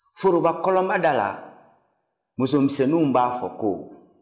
forobakɔlɔnba da la musomisɛnninw b'a fɔ ko